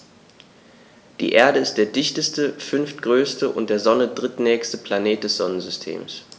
Die Erde ist der dichteste, fünftgrößte und der Sonne drittnächste Planet des Sonnensystems.